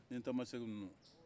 n ni tamaseki ninnu